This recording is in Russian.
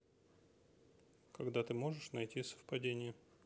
когда ты можешь найти совпадения